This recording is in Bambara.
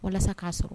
Walasa k'a sɔrɔ